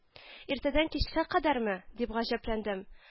— иртәдән кичкә кадәрме? — дип гаҗәпләндем